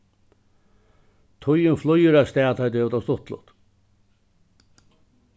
tíðin flýgur avstað tá ið tú hevur tað stuttligt